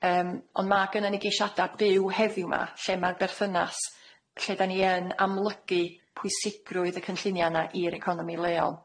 Yym on' ma' gynnan ni geisiada' byw heddiw 'ma lle ma'r berthynas- lle 'dan ni yn amlygu pwysigrwydd y cynllunia' 'na i'r economi leol.